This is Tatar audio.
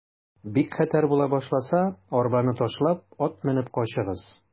Бик хәтәр була башласа, арбаны ташлап, ат менеп качыгыз.